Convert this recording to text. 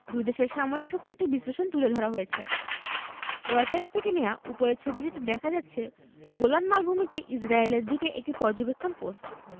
দুই দেশের সামরিক শক্তির একটি বিশ্লেষণ তুলে ধরা হয়েছে রয়টার্স থেকে নেয়া উপরের ছবিটিতে দেখা যাচ্ছে গোলান মালভূমিতে ইসরায়েলের দিকের একটি পর্যবেক্ষণ পোস্ট